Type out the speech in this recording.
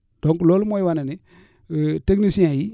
donc loolu mooy wane ni techniciens yi